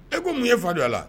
E ko mun ye fa don a la